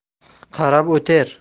qarab o'ter